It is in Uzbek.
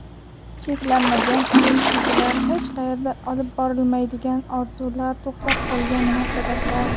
cheklanmagan o'yin kulgilar hech qayerga olib bormaydigan orzular to'xtab qolgan munosabatlar